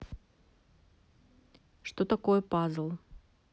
что такое пазл